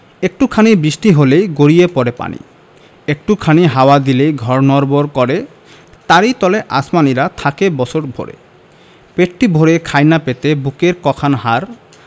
একটু খানি বৃষ্টি হলেই গড়িয়ে পড়ে পানি একটু খানি হাওয়া দিলেই ঘর নড়বড় করে তারি তলে আসমানীরা থাকে বছর ভরে পেটটি ভরে পায় না খেতে বুকের ক খান হাড়